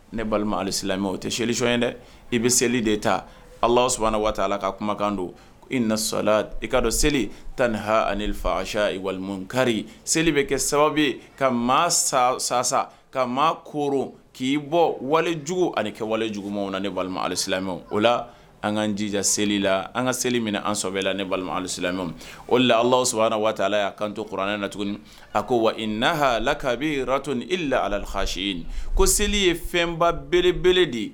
Ne balima alisala o tɛ selilic ye dɛ i bɛ seli de ta ala sana waa ala ka kumakan don i nasala i ka dɔn seli ta niha anifasa wali gari seli bɛ kɛ sababu ka ma sa sa sa ka maa ko k'i bɔ walijugu ani kɛ walijuguma na alisamɛ o la an ka n jija seli la an ka seli minɛ an sanfɛla balima alisala o la ala s waati ala y' kanto kuranɛ na tuguni a ko wa i nahala k'a bɛrato ni ila alalhasi ye ko seli ye fɛnba bereelebele de ye